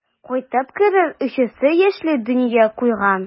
Кайтып керер өчесе яшьли дөнья куйган.